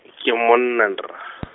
ke monna nendra .